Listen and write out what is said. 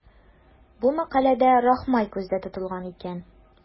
Бу мәкаләдә Рахмай күздә тотылган икән.